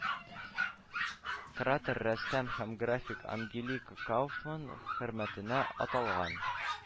Кратер рәссам һәм график Ангелика Кауфман хөрмәтенә аталган